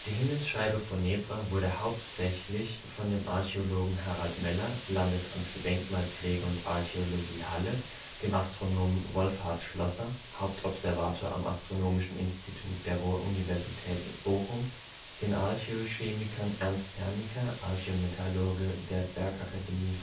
Himmelsscheibe von Nebra wurde hauptsächlich von dem Archäologen Harald Meller (Landesamt für Denkmalpflege und Archäologie Halle), dem Astronomen Wolfhard Schlosser (Hauptobservator am Astronomischen Institut der Ruhr-Universität Bochum), den Archäochemikern Ernst Pernicka (Archäo-Metallurge der Bergakademie